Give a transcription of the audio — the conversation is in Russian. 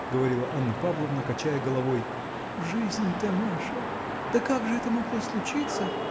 – говорила Анна Павловна, качая головой, – жизнь-то наша! Да как же это могло случиться?